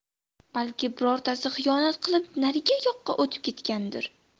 balki birortasi xiyonat qilib narigi yoqqa o'tib ketgandir